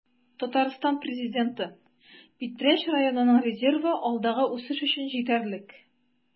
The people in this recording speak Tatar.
Татарстан Президенты: Питрәч районының резервы алдагы үсеш өчен җитәрлек